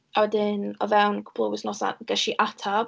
A wedyn o fewn cwpl o wythnosau ges i ateb.